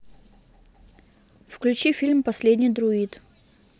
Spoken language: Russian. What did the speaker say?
включи фильм последний друид